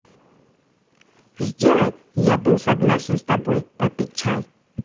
сделай я был согласен с тобой попить чай